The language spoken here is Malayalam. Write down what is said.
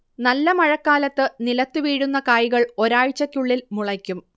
നല്ല മഴക്കാലത്തു നിലത്തുവീഴുന്ന കായ്കൾ ഒരാഴ്ചയ്ക്കുള്ളിൽ മുളയ്ക്കും